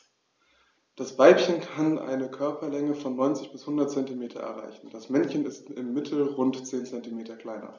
Das Weibchen kann eine Körperlänge von 90-100 cm erreichen; das Männchen ist im Mittel rund 10 cm kleiner.